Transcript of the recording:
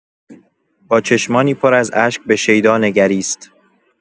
با چشمانی پر از اشک به شیدا نگریست.